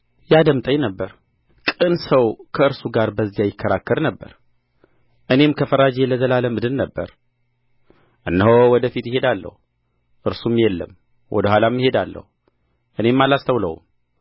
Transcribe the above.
ያደምጠኝ ነበር ቅን ሰው ከእርሱ ጋር በዚያ ይከራከር ነበር እኔም ከፈራጄ ለዘላለም እድን ነበር እነሆ ወደ ፊት እሄዳለሁ እርሱም የለም ወደ ኋላም እሄዳለሁ እኔም አላስተውለውም